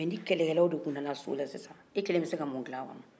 mɛ ni kɛlɛkɛlaw de tun nana so la sisan e kelen bɛ se ka mun dilan a kɔnɔ